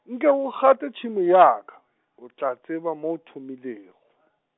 nke o gate tšhemo ya ka , o tla tseba mo o thomilego.